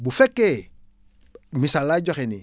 bu fekkee misaal laay joxe nii